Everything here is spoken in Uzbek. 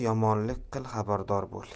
yomonlik qil xabardor bo'l